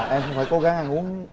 em cũng phải cố gắng ăn uống